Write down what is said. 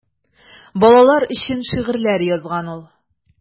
Балалар өчен шигырьләр язган ул.